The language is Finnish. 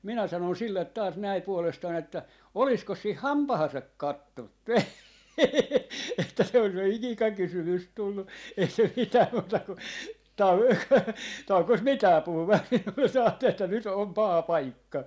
minä sanoin sille taas näin puolestani että olisikos siinä hampaansa katsonut - että se olisi jo ikäkysymys tullut ei se mitään muuta kuin - taukosi mikään puhumasta minulle se ajatteli että nyt on paha paikka